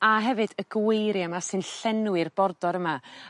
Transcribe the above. a hefyd y gweirie 'ma sy'n llenwi'r bordor yma.